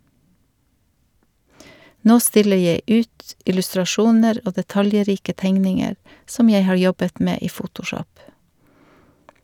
Nå stiller jeg ut illustrasjoner og detaljrike tegninger som jeg har jobbet med i photoshop.